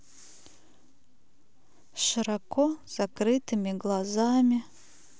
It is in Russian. с широко закрытыми глазами